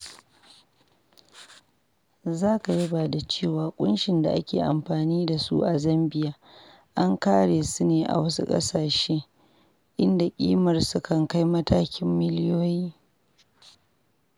Za ka yaba da cewa kunshin da ake amfani da su a zambia an kera su ne a wasu kasashe inda kimarsu kan kai matakin miliyoyi.